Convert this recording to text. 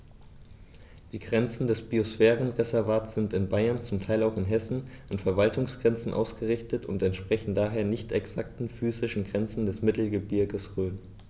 Die Grenzen des Biosphärenreservates sind in Bayern, zum Teil auch in Hessen, an Verwaltungsgrenzen ausgerichtet und entsprechen daher nicht exakten physischen Grenzen des Mittelgebirges Rhön.